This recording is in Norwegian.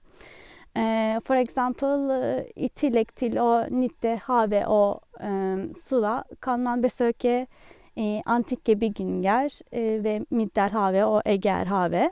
For eksempel, i tillegg til å nyte havet og sola, kan man besøke antikke bygninger ved Middelhavet og Egeerhavet.